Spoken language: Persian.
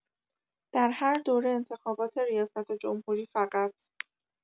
در هر دوره انتخابات ریاست‌جمهوری فقط